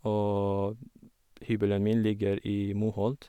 Og hybelen min ligger i Moholt.